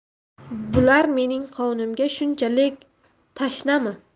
bular mening qonimga shunchalik tashnami